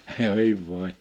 hei voi